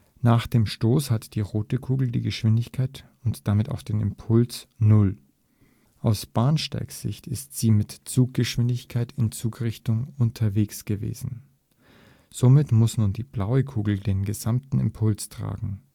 Nach dem Stoß hat nun die rote Kugel die Geschwindigkeit – und damit auch den Impuls – null (aus Bahnsteigsicht ist sie mit Zuggeschwindigkeit in Zugrichtung unterwegs gewesen), somit muss nun die blaue Kugel den gesamten Impuls tragen